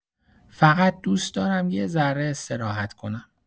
فقط دوست دارم یه ذره استراحت کنم.